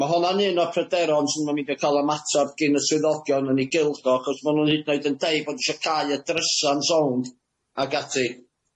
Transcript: Ma' honna'n un o'r pryderon sy'n meindio ca'l y matab gin y swyddogion yn 'i gildo achos ma' nw'n hyd yn oed yn deud bod isio cau y drysa'n sownd ag ati.